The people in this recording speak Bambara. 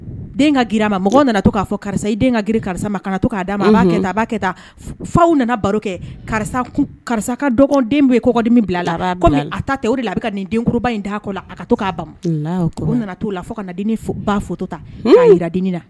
Den ka g ma mɔgɔ nana to k'a karisa i g karisa ma kana to faw nana baro kɛ karisa ka dɔgɔnin bɛ kɔ bila a ta o nin denba in kɔ a to'a nana t'o la fo kanataa jiraina